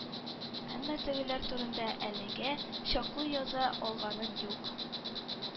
Әмма тегеләр турында әлегә чаклы яза алганым юк.